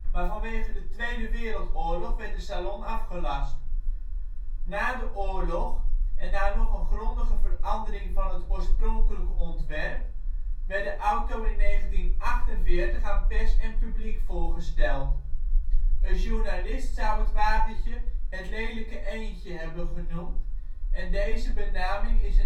maar vanwege de Tweede Wereldoorlog werd de Salon afgelast. Na de oorlog, en na nog een grondige verandering van het oorspronkelijke ontwerp, werd de auto in 1948 aan pers en publiek voorgesteld. Een journalist zou het wagentje het lelijke eendje hebben genoemd en deze benaming is